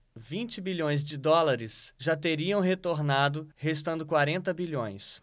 vinte bilhões de dólares já teriam retornado restando quarenta bilhões